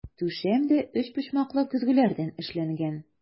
Түшәм дә өчпочмаклы көзгеләрдән эшләнгән.